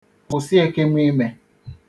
Kwụsi ekumuime!